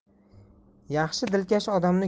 yaxshi dilkash odamni